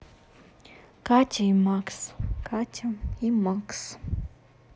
катя и макс катя и макс